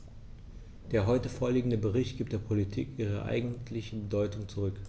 Der heute vorliegende Bericht gibt der Politik ihre eigentliche Bedeutung zurück.